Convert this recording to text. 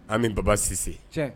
An bɛ baba sise